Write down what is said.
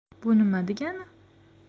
bu nima degani